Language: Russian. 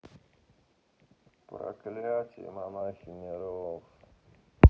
проклятие монахини роуз